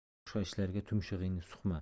boshqa ishlarga tumshug'ingni suqma